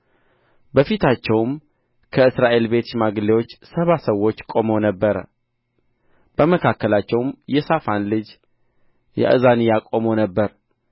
በፊታቸውም ከእስራኤል ቤት ሽማግሌዎች ሰባ ሰዎች ቆመው ነበር በመካከላቸውም የሳፋን ልጅ ያእዛንያ ቆሞ ነበር